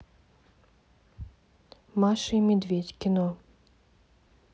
маша и медведь кино